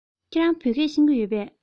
ཁྱེད རང བོད སྐད ཤེས ཀྱི ཡོད པས